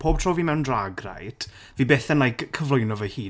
Pob tro fi mewn drag reit fi byth yn like cyflwyno fy hun.